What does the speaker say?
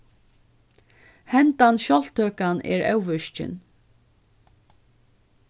hendan sjálvtøkan er óvirkin